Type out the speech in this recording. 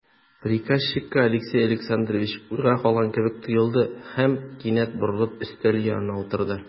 Приказчикка Алексей Александрович уйга калган кебек тоелды һәм, кинәт борылып, өстәл янына утырды.